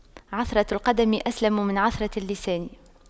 عثرة القدم أسلم من عثرة اللسان